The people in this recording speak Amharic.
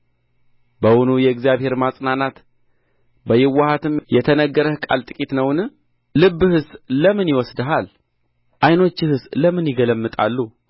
በውኑ የእግዚአብሔር ማጽናናት በየውሃትም የተነገረህ ቃል ጥቂት ነውን ልብህስ ለምን ይወስድሃል ዓይኖችህስ ለምን ይገለምጣሉ